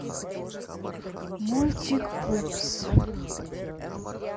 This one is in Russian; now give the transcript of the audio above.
мультик пупс